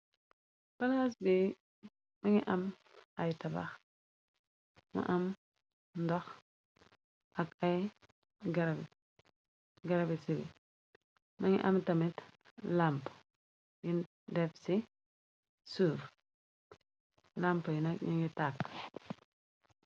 Palaas bi ma ngi am ay tabax mu am ndox ak ay garabe ci bi ma ngi am tamit lamp yu def ci suuv lamp yina ñu ngi tàkk